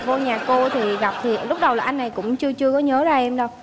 vô nhà cô thì gặp thì lúc đầu là anh này cũng chưa chưa có nhớ ra em đâu